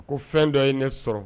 Ko fɛn dɔ ye ne sɔrɔ